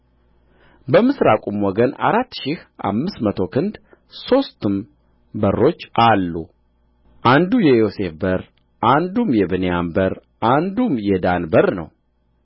በምሥራቁም ወገን አራት ሺህ አምስት መቶ ክንድ ሦስትም በሮች አሉ አንዱ የዮሴፍ በር አንዱም የብንያም በር አንዱም የዳን በር ነው